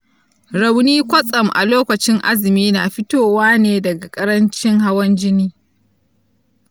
rauni kwatsam a lokacin azumi na fitowa ne daga ƙarancin hawan jini?